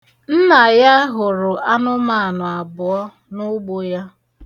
Nna ya hụrụ anụmaanụ abụọ n'ugbo ya.